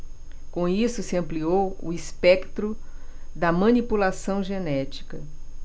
com isso se ampliou o espectro da manipulação genética